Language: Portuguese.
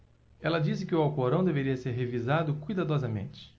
ela disse que o alcorão deveria ser revisado cuidadosamente